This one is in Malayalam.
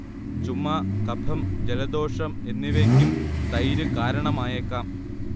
ചുമ, കഫം, ജലദോഷം എന്നിവയ്ക്കും തൈര് കാരണമായേക്കാം